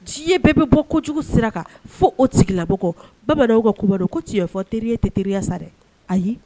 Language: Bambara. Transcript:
Tiɲɛ bɛɛ bɛ bɔ jugu sira kan fo o tigilabɔ kɔ bamananww ka ku don ko tiɲɛ fɔ teri tɛ teriya sa dɛ ayi